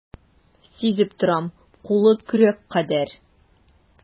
Сизеп торам, кулы көрәк кадәр.